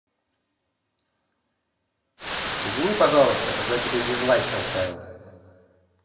извини пожалуйста когда тебе дизлайк поставил